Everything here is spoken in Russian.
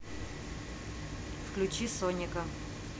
включи соника